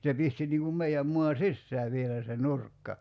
se pisti niin kuin meidän maan sisään vielä se nurkka